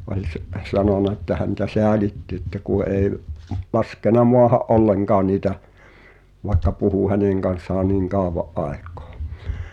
oli - sanonut että häntä säälitti että kun ei laskenut maahan ollenkaan niitä vaikka puhui hänen kanssaan niin kauan aikaa